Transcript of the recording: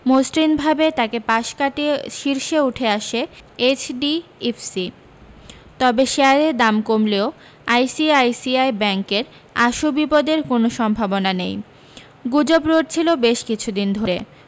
মসৃণ ভাবে তাকে পাশ কাটিয়ে শীর্ষে উঠে আসে এইচডিইফসি তবে শেয়ারের দাম কমলেও আইসিআইসিআই ব্যাঙ্কের আশু বিপদের কোনও সম্ভাবনা নেই গুজব রটছিল বেশ কিছুদিন ধরে